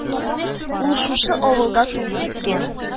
Ул шушы авылда туып үскән